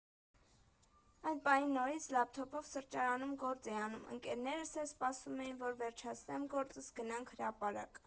Այդ պահին նորից լափթոփով սրճարանում գործ էի անում, ընկերներս էլ սպասում էին, որ վերջացնեմ գործս՝ գնանք հրապարակ։